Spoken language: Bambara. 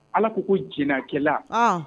Ala ko ko jkɛla